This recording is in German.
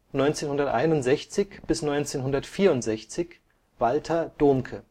1961 bis 1964: Walter Domke